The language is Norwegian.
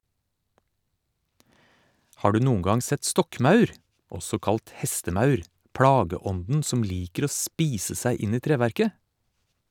Har du noen gang sett stokkmaur, også kalt hestemaur, plageånden som liker å spise seg inn i treverket?